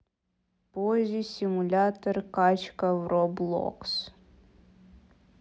поззи симулятор качка в роблокс